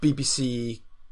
bee bee see